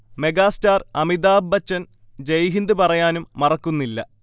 megastar Amitabh Bachchan Jai Hind പറയാനും മറക്കുന്നില്ല